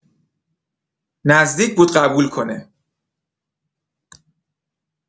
نزدیک بود قبول کنه.